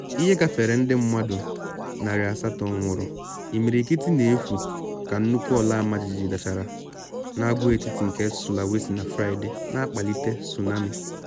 Ihe gafere ndị mmadụ 800 nwụrụ, imirikiti na efu ka nnukwu ọla ọmajiji dachara na agwaetiti nke Sulawesi na Fraịde, na akpalite tsunami.